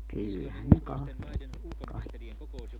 kyllähän ne katseli kaikkia